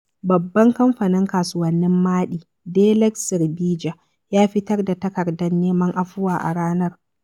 Babban kamfani kasuwannin Maɗi, Delez Srbija, ya fitar da takardar neman afuwa a ranar.